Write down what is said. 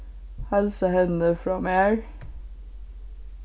heilsa henni frá mær